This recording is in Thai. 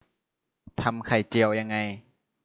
ทำไข่เจียวยังไง